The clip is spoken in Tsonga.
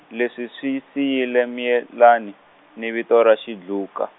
leswi swi siyile Miyelani , ni vito ra Xidluka.